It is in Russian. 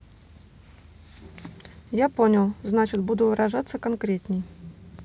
я понял значит буду выражаться конкретней